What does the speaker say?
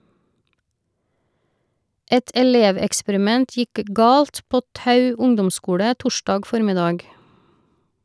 Et eleveksperiment gikk galt på Tau ungdomsskole torsdag formiddag.